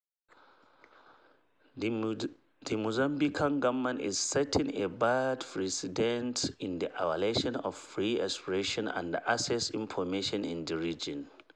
The Mozambican government is setting a bad precedent in the violation of free expression and access to information in the region.